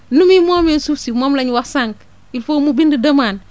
nu muy moomee suuf si moom lañ wax sànq il faut mu bind demande